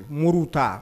Mori ta